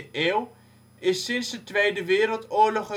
eeuw is sinds de Tweede Wereldoorlog